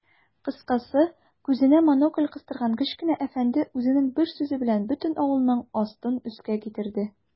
Кыскасы, күзенә монокль кыстырган кечкенә әфәнде үзенең бер сүзе белән бөтен авылның астын-өскә китерде.